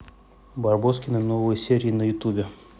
барбоскины новые серии на ютубе